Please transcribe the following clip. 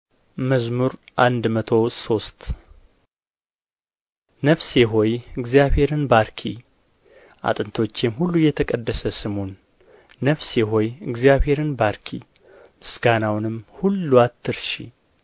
መዝሙር መቶ ሶስት ነፍሴ ሆይ እግዚአብሔርን ባርኪ አጥንቶቼም ሁሉ የተቀደሰ ስሙን ነፍሴ ሆይ እግዚአብሔርን ባርኪ ምስጋናውንም ሁሉ አትርሺ